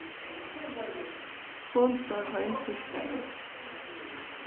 hon fór heim týsdagin